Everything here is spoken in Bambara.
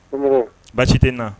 Baasi tɛ na